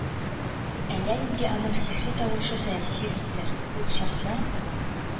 Әллә инде аның сихри тавышы тәэсир итте, ул чакны